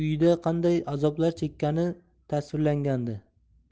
uyida qanday azoblar chekkani tasvirlangandi